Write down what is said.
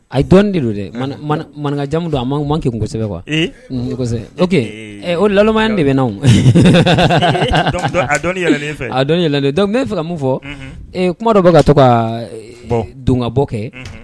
Ayi dɔnni de do dɛ. Manka jamu don a man kegu kosɛbɛ; Ee; Unhun, kosɛbɛ, ok o nalomaya ni de bɛ n na donc a dɔɔnni yɛlɛlen e fɛ; A dɔɔnni yɛlɛlen donc n bɛ fɛ ka mun fɔ; Unhun; Kuma dɔ bɛ ka to ka; bɔ; don ka bɔ kɛ; Unhun.